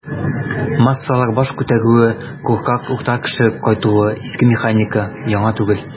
"массалар баш күтәрүе", куркак "урта кеше" кайтуы - иске механика, яңа түгел.